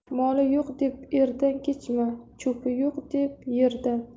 moli yo'q deb erdan kechma cho'pi yo'q deb yerdan